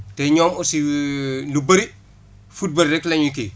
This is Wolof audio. te ñoom aussi lu bëri footbal rek la ñuy kii